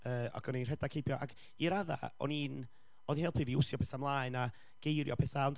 yy ac o'n i'n rhedeg heibio, ac i raddau, o'n i'n- oedd hi'n helpu fi i wthio pethau mlaen a geirio petha ond